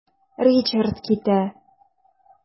Ричард китә.